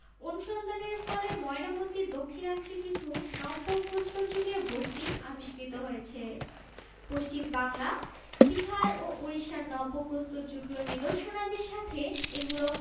অনুসন্ধানের ফলে ময়নামতীর দক্ষিণাংশে কিছু নব্য প্রস্তরযুগীয় বসতি আবিষ্কৃত হয়েছে পশ্চিম বাংলা বিহার ও উড়িষ্যার নব্য প্রস্তর যুগীয় নিদর্শনাদির সাথে এগুলির